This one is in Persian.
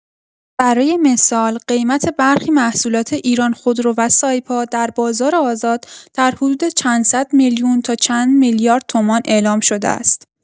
برای مثال قیمت برخی محصولات ایران‌خودرو و سایپا در بازار آزاد در حدود چند صد میلیون‌تا چند میلیارد تومان اعلام شده است.